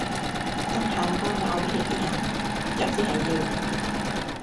ต้องถามก่อนว่าเอาไปเฮ็ดอิหยัง จั่งสิให้ยืม